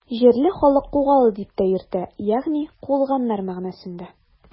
Җирле халык Кугалы дип тә йөртә, ягъни “куылганнар” мәгънәсендә.